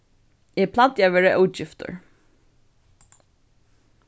eg plagdi at vera ógiftur